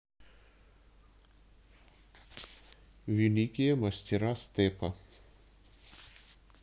великие мастера степа